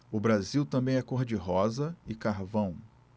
o brasil também é cor de rosa e carvão